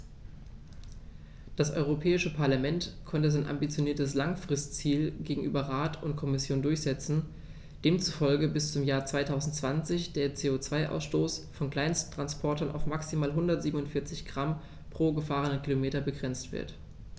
Das Europäische Parlament konnte sein ambitioniertes Langfristziel gegenüber Rat und Kommission durchsetzen, demzufolge bis zum Jahr 2020 der CO2-Ausstoß von Kleinsttransportern auf maximal 147 Gramm pro gefahrenem Kilometer begrenzt wird.